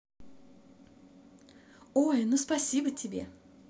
ой ну спасибо тебе